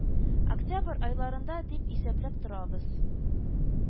Октябрь айларында дип исәпләп торабыз